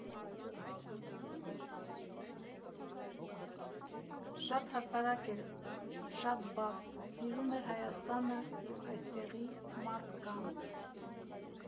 Շատ հասարակ էր, շատ բաց, սիրում էր Հայաստանը և այստեղի մարդկանց։